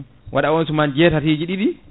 waɗa on suman jeetatiji ɗiɗi